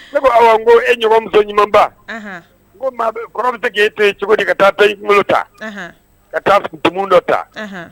Ne ko Awa e ɲɔgɔn muso ɲumanba, Ɔnhɔn, n ko ma bɛ, kɔrɔ bɛ se k' e to yen cogo di ka taa dɔyi kunkolo ta, Ɔnhɔn, ka taa dumun dɔ ta.